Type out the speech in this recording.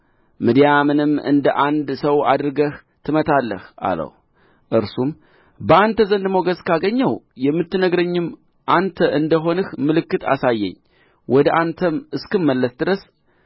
ምድያምንም እንደ አንድ ሰው አድርገህ ትመታለህ አለው እርሱም በአንተ ዘንድ ሞገስ ካገኘሁ የምትናገረኝም አንተ እንደ ሆንህ ምልክት አሳየኝ ወደ አንተም እስክመለስ ድረስ